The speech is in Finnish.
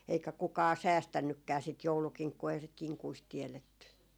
eikä kukaan säästänytkään sitä joulukinkkua eihän sitä kinkuista tiedetty